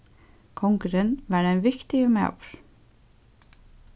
kongurin var ein viktigur maður